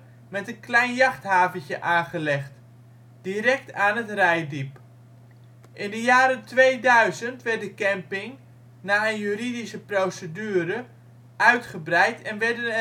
klein jachthaventje aangelegd, direct aan het Reitdiep. In de jaren 2000 werd de camping (na een juridische procedure) uitgebreid en werden